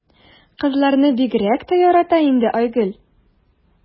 Казларны бигрәк ярата инде Айгөл.